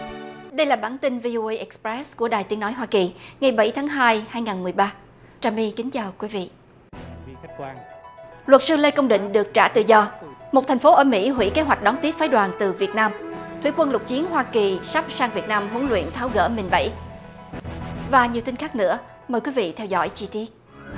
đây là bản tin vi ô ây ịch pờ rét của đài tiếng nói hoa kỳ ngày bảy tháng hai hai ngàn mười ba trà my kính chào quý vị luật sư lê công định được trả tự do một thành phố ở mỹ hủy kế hoạch đón tiếp phái đoàn từ việt nam thủy quân lục chiến hoa kỳ sắp sang việt nam huấn luyện tháo gỡ mìn bẫy và nhiều tin khác nữa mời quý vị theo dõi chi tiết